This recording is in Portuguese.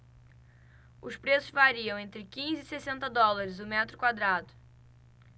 os preços variam entre quinze e sessenta dólares o metro quadrado